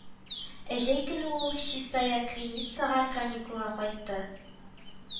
Ә җәй көне ул Чистая Криницага каникулга кайтты